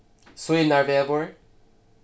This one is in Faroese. sýnarvegur